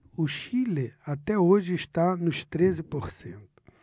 o chile até hoje está nos treze por cento